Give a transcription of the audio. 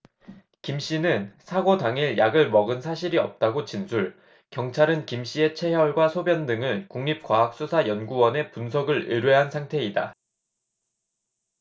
김씨는 사고 당일 약을 먹은 사실이 없다고 진술 경찰은 김씨의 채혈과 소변 등을 국립과학수사연구원에 분석을 의뢰한 상태이다